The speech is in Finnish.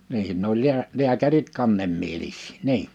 niin ne oli - lääkärit kannemielisiä niin